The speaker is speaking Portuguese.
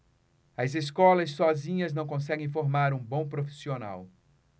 as escolas sozinhas não conseguem formar um bom profissional